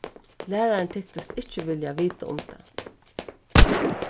lærarin tyktist ikki vilja vita um tað